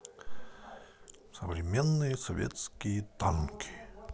современные советские танки